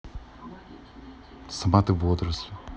сама ты водоросли